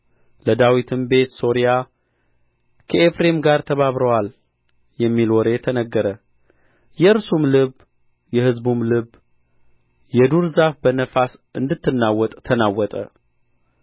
ለዳዊትም ቤት ሶርያ ከኤፍሬም ጋር ተባብረዋል የሚል ወሬ ተነገረ የእርሱም ልብ የሕዝቡም ልብ የዱር ዛፍ በነፋስ እንድትናወጥ ተናወጠ